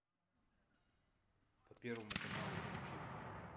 по первому каналу включи